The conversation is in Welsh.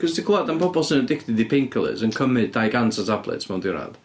Cause ti'n clywed am bobl sy'n addicted i painkillers yn cymryd dau gant o tablets mewn diwrnod.